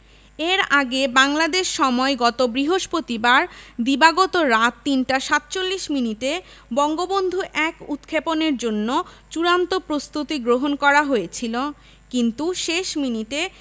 এর আগে বাংলাদেশ সময় গত বৃহস্পতিবার দিবাগত রাত ৩টা ৪৭ মিনিটে বঙ্গবন্ধু ১ উৎক্ষেপণের জন্য চূড়ান্ত প্রস্তুতি গ্রহণ করা হয়েছিল কিন্তু শেষ মিনিটে